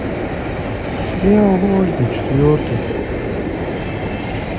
сериал ольга четвертый